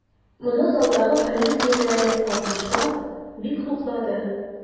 Моны залдагы каләм ияләре, алкышлап, бик хуплады.